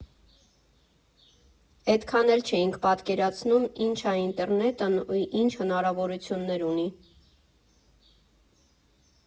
Էդքան էլ չէինք պատկերացնում՝ ինչ ա ինտերնետն ու ինչ հնարավորություններ ունի։